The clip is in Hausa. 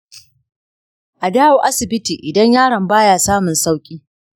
a dawo asibiti idan yaron ba ya samun sauƙi.